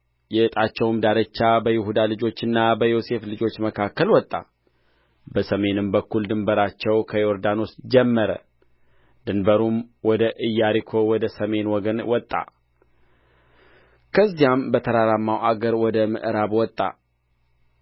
የዕጣቸውም ዳርቻ በይሁዳ ልጆችና በዮሴፍ ልጆች መካከል ወጣ በሰሜን በኩል ድንበራቸው ከዮርዳኖስ ጀመረ ድንበሩም ወደ ኢያሪኮ ወደ ሰሜን ወገን ወጣ ከዚያም በተራራማው አገር ወደ ምዕራብ ወጣ